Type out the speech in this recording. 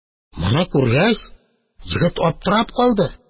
Моны күргәч, егет аптырап калды.